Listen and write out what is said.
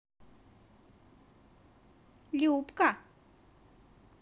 любка